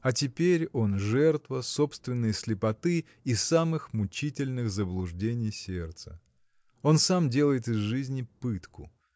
а теперь он жертва собственной слепоты и самых мучительных заблуждений сердца. Он сам делает из жизни пытку.